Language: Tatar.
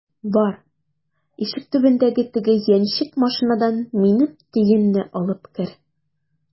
Бар, ишек төбендәге теге яньчек машинадан минем төенне алып кер!